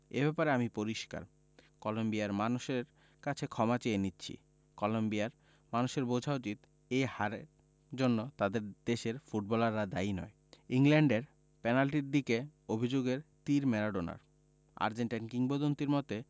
এ ব্যাপারে আমি পরিষ্কার কলম্বিয়ার মানুষের কাছে ক্ষমা চেয়ে নিচ্ছি কলম্বিয়ার মানুষের বোঝা উচিত এই হারের জন্য তাদের দেশের ফুটবলাররা দায়ী নয় ইংল্যান্ডের পেনাল্টির দিকে অভিযোগের তির ম্যারাডোনার আর্জেন্টাইন কিংবদন্তির মতে